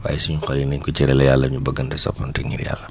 waaye suñu xol yi nañ ko cëralee yàlla ñu bëggante soppante ngir yàlla